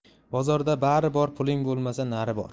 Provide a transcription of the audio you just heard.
bozorda bari bor puling bo'lmasa nari bor